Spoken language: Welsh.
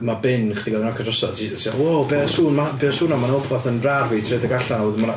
ma' bin chdi 'di cael ei nocio drosodd, ti fatha "waw be oedd sŵn 'ma, be oess sŵn 'ma? Ma 'na rywbeth yn ardd fi" a ti'n rhedeg allan a wedyn...